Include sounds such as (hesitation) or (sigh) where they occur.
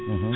(hesitation) (hesitation) (noise)